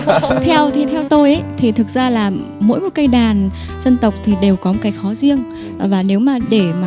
theo thi theo tôi ý thì thực ra là mỗi một cây đàn dân tộc thì đều có một cái khó riêng và nếu mà để mà